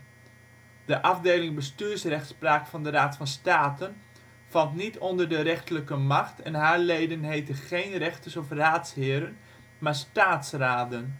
de Afdeling bestuursrechtspraak van de Raad van State. De Afdeling bestuursrechtspraak van de Raad van State valt niet onder de rechterlijke macht en haar leden heten geen rechters of raadsheren, maar staatsraden